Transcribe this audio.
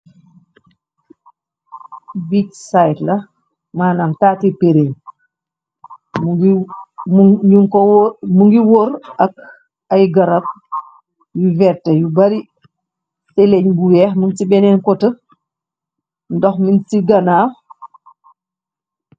Bij-site la maanam taati pérel mu ngi wóor ak ay garab yu verté yu bari téléeñ bu weex mëm ci beneen kota ndox mong ci ganaw.